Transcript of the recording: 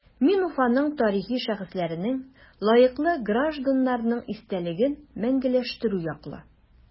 Мин Уфаның тарихи шәхесләренең, лаеклы гражданнарның истәлеген мәңгеләштерү яклы.